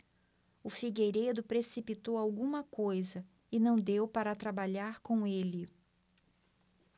o figueiredo precipitou alguma coisa e não deu para trabalhar com ele